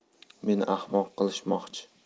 meni ahmoq qilishmoqchi